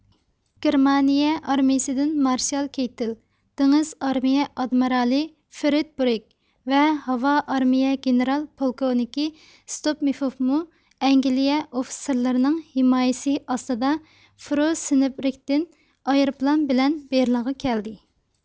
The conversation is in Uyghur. گېرمانىيە ئارمىيىسىدىن مارشال كېيتېل دېڭىز ئارمىيە ئادمېرالى فرېد بۇرگ ۋە ھاۋا ئارمىيە گېنېرال پولكوۋنىكى ستوپمپۇفمۇ ئەنگلىيە ئوفىتسېرلىرىنىڭ ھىمايىسى ئاستىدا فروسېنېبرگدىن ئايروپىلان بىلەن بېرلىنغا كەلدى